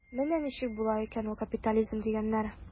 Менә ничек була икән бу капитализм дигәннәре.